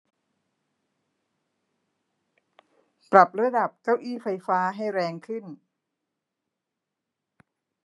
ปรับระดับของเก้าอี้ไฟฟ้าให้แรงขึ้น